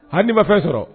Ha ni ma fɛn sɔrɔ